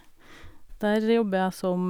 Der jobber jeg som...